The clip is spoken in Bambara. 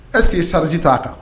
Ɛseke sasi t'a ta